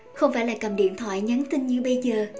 không phải là cầm điện thoại nhắn tin như bây giờ